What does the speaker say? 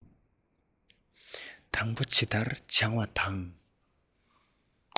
དང པོ ཇི ལྟར བྱུང བ དང